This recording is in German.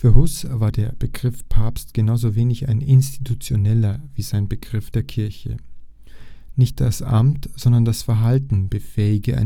Hus war der Begriff Papst genauso wenig ein institutioneller wie sein Begriff der Kirche. Nicht das Amt, sondern das Verhalten befähige